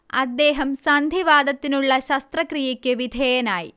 അദ്ദേഹം സന്ധിവാതത്തിനുള്ള ശസ്ത്രക്രിയക്ക് വിധേയനായ്